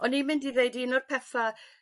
O'n i'n mynd i ddeud un o'r petha'